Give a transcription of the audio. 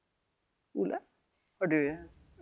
Ole, har du ?